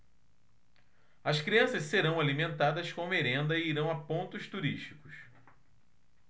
as crianças serão alimentadas com merenda e irão a pontos turísticos